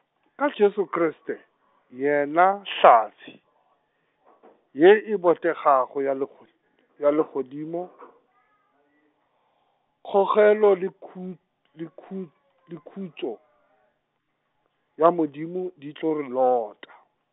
ka Jesu Kriste, yena hlatse , ye e botegago ya lego-, ya legodimo , kgo kelo le khu-, le khu- , le khutšo, ya Modimo di tlo re lota.